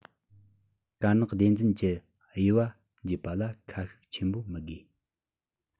དཀར ནག བདེན རྫུན གྱི དབྱེ བ འབྱེད པ ལ ཁ ཤུགས ཆེན པོ མི དགོས